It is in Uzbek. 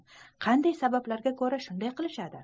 qanday sabablarga ko'ra shunday qilishadi